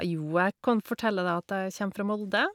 Jo, jeg kan fortelle deg at jeg kjem fra Molde.